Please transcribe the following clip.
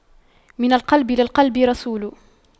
من القلب للقلب رسول